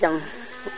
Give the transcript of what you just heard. jege probleme leng